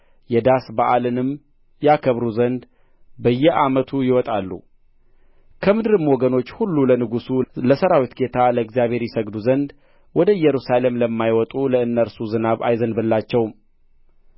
የዳስ በዓልንም ያከብሩ ዘንድ በየዓመቱ ይወጣሉ ከምድርም ወገኖች ሁሉ ለንጉሡ ለሠራዊት ጌታ ለእግዚአብሔር ይሰግዱ ዘንድ ወደ ኢየሩሳሌም ለማይወጡ ለእነርሱ ዝናብ አይዘንብላቸውም